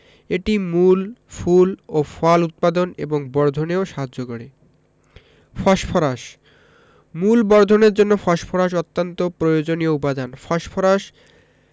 এটি মূল ফুল ও ফল উৎপাদন এবং বর্ধনেও সাহায্য করে ফসফরাস মূল বর্ধনের জন্য ফসফরাস অত্যন্ত প্রয়োজনীয় উপাদান ফসফরাস